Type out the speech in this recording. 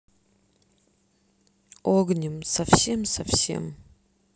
огнем совсем совсем